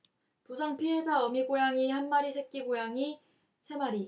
부상 피해자 어미 고양이 한 마리 새끼 고양이 세 마리